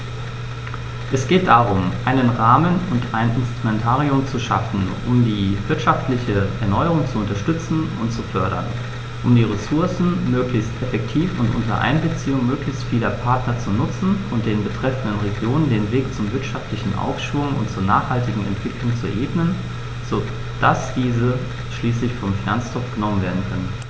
Es geht darum, einen Rahmen und ein Instrumentarium zu schaffen, um die wirtschaftliche Erneuerung zu unterstützen und zu fördern, um die Ressourcen möglichst effektiv und unter Einbeziehung möglichst vieler Partner zu nutzen und den betreffenden Regionen den Weg zum wirtschaftlichen Aufschwung und zur nachhaltigen Entwicklung zu ebnen, so dass diese schließlich vom Finanztropf genommen werden können.